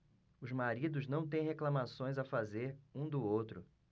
os maridos não têm reclamações a fazer um do outro